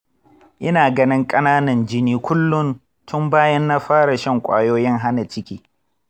ina ganin ƙananan jini kullum tun bayan na fara shan kwayoyin hana ciki.